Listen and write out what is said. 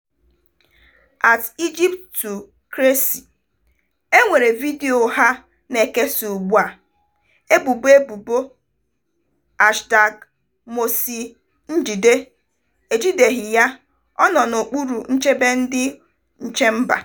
@Egyptocracy: Enwere vidiyo ụgha na-ekesa ugbu a ebubo ebubo "#Morsi njide", ejideghị ya, ọ nọ n'okpuru nchebe ndị nche mba.